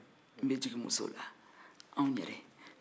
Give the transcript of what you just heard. n bɛ jigin anw yɛrɛ musow la